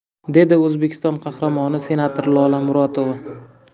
dedi o'zbekiston qahramoni senator lola murotova